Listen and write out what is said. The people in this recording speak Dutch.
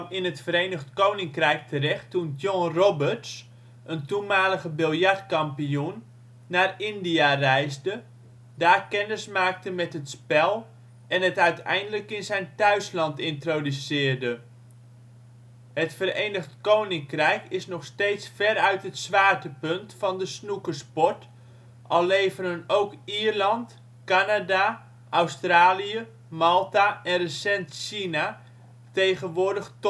in het Verenigd Koninkrijk terecht toen John Roberts, een toenmalige biljartkampioen, naar India reisde, daar kennismaakte met het spel en het uiteindelijk in zijn thuisland introduceerde. Het Verenigd Koninkrijk is nog steeds veruit het zwaartepunt van de snookersport, al leveren ook Ierland, Canada, Australië, Malta en recent China tegenwoordig